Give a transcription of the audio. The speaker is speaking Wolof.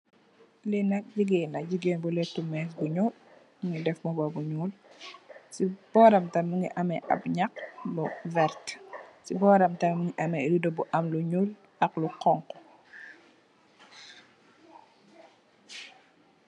Le nak jigeen la. jigeen bu leetu meiss bu nuul, mungi deff mbuba mu nuul. Ci boram tahmi mungi am ap nyiax bu vert, ci boram tahmi mungi am redio bu am lu nuul ak lu xonxo.